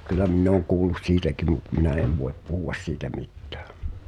kyllä minä olen kuullut siitäkin mutta minä en voi puhua siitä mitään